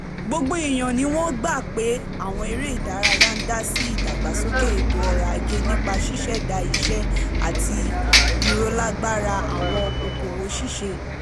Gbogbo èèyàn ni wọ́n gbà pé àwọn eré ìdárayá ń dá sí ìdàgbàsókè ètò ọrọ̀-ajé nípa ṣíṣẹ̀dá iṣẹ́ àti ìrólágbára àwọn òkòwò ṣíṣe.